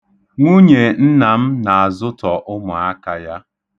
Nwunye nna m na-azụtọ ụmụaka ya.